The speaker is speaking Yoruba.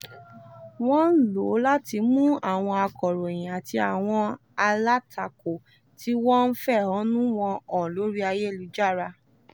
Wọ́n ń lò ó láti mú àwọn akọ̀ròyìn àti àwọn alátakò tí wọ́n ń fẹ̀hónú wọn hàn lórí ayélujára.